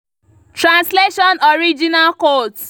Translation Original Quote